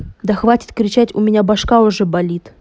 да хватит кричать у меня башка уже болит